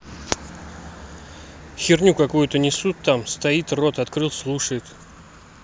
херню какую то несут там стоит рот открыл слушает